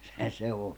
se se on